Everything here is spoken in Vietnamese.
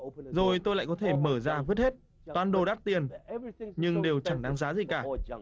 rồi tôi lại có thể mở ra vứt hết toàn đồ đắt tiền nhưng đều chẳng đáng giá gì cả